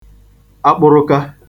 akpụrụka